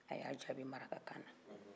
a y'a jaabi maraka kan na